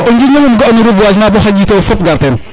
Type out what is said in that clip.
mais o njiño ngum ga o no reboisement bo xaƴ yite of fop o gar ten